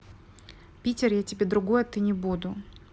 питер я тебе другое ты не буду